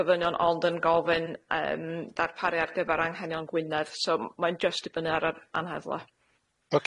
gofynion ond yn gofyn yym darparu ar gyfer anghenion Gwynedd so m- mae'n jyst dibynnu ar yr anheddla.